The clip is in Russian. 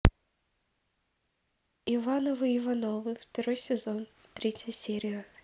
ивановы ивановы второй сезон третья серия